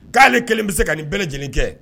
K'ale kelen bɛ se ka nin bɛɛ lajɛlen kɛ